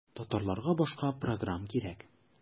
Татарларга башка программ кирәк.